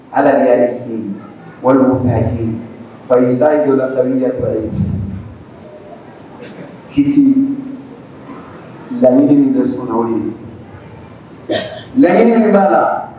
, kiiti, laɲini min bɛ senna o de don, laɲini min b'a la